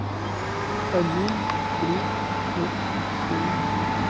один три пять семь